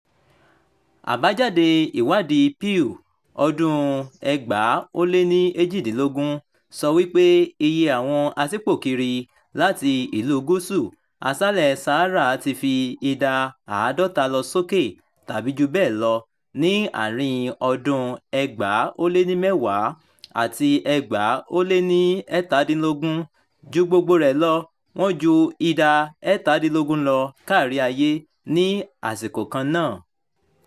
Àbájáde Ìwádìí Pew ọdún-un 2018 sọ wípé iye àwọn aṣípòkiri láti Ìlú Gúúsù Aṣálẹ̀ Sahara "ti fi ìdá 50 lọ sókè tàbí jù bẹ́ẹ̀ lọ ní àárín-in ọdún-un 2010 àti 2017, ju gbogbo rẹ̀ lọ wọn ju ìdá 17 lọ káríayé ní àsìkò kan náà".